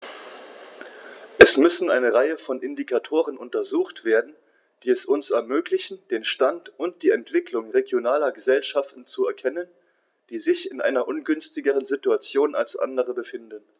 Es müssen eine Reihe von Indikatoren untersucht werden, die es uns ermöglichen, den Stand und die Entwicklung regionaler Gesellschaften zu erkennen, die sich in einer ungünstigeren Situation als andere befinden.